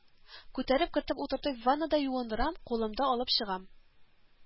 Күтәреп кертеп утыртып ваннада юындырам, кулымда алып чыгам